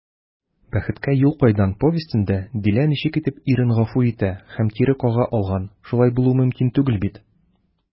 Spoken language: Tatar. «бәхеткә юл кайдан» повестенда дилә ничек итеп ирен гафу итә һәм кире кага алган, шулай булуы мөмкин түгел бит?»